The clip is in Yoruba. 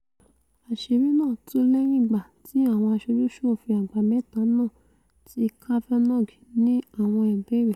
Àṣìrí náà tú lẹ́yìn ìgbà tí àwọn aṣojú-ṣòfin àgbà mẹ́ta náà ti Kavanaugh ní àwọn ìbéèrè.